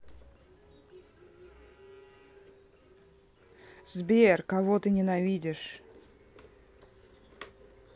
сбер кого ты ненавидишь